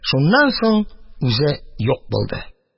Шуннан соң үзе юк булды.